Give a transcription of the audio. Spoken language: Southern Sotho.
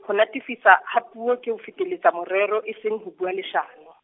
ho natefiswa ha puo ke ho feteletsa morero e seng ho bua lesha- .